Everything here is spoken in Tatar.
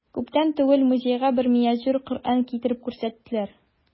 Күптән түгел музейга бер миниатюр Коръән китереп күрсәттеләр.